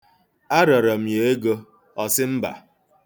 Arịọrọ m ya ego, ọ sị mba.